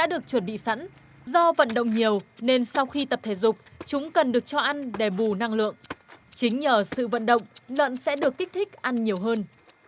đã được chuẩn bị sẵn do vận động nhiều nên sau khi tập thể dục chúng cần được cho ăn để bù năng lượng chính nhờ sự vận động lợn sẽ được kích thích ăn nhiều hơn